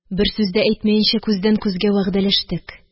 Бер сүз дә әйтмәенчә күздән күзгә вәгъдәләштек.